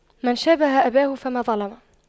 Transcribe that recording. من شابه أباه فما ظلم